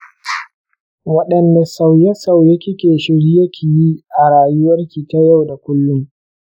wadanne sauye-sauye kike shirye ki yi a rayuwarki ta yau da kullum?